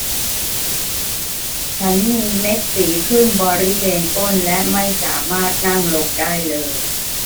ฉันมีเม็ดฝีขึ้นบริเวณก้นและไม่สามารถนั่งลงได้เลย